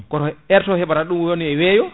koto air to o heɓata ɗum woni weeyo